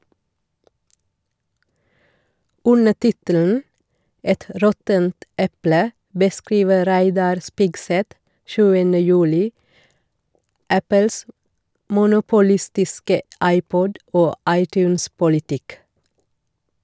Under tittelen «Et råttent eple» beskriver Reidar Spigseth 7. juli Apples monopolistiske iPod- og iTunes-politikk.